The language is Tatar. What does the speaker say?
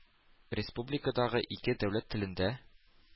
Республикадагы ике дәүләт телендә